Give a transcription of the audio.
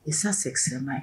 E ça c'es extrêmement